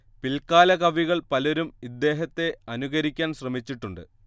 പിൽക്കാല കവികൾ പലരും ഇദ്ദേഹത്തെ അനുകരിക്കാൻ ശ്രമിച്ചിട്ടുണ്ട്